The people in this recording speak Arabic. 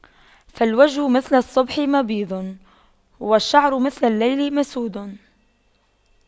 فالوجه مثل الصبح مبيض والشعر مثل الليل مسود